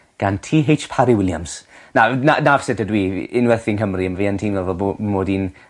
gan Ti Heitch Parry-Williams. Na 'na 'na sud ydw 'yf i unweth fi'n Cymru m- fi yn teimlo fel bo- mod i'n